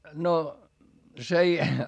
no se ei